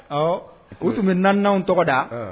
Ɔ u tun bɛ naanw tɔgɔ da